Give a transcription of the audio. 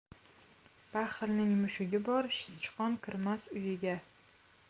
baxilning mushugi bor sichqon kirmas uyiga